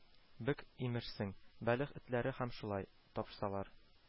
Бек, имешсең, бәлех этләре һәм шулай: тапсалар